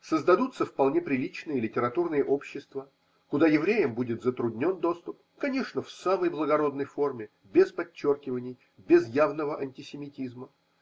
Создадутся вполне приличные литературные общества, куда евреям будет затруднен доступ, конечно, в самой благородной форме, без подчеркиваний, без явного антисемитизма.